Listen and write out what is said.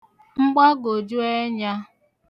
mgbagòju ẹnyā